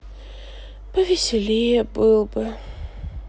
повеселее бы был бы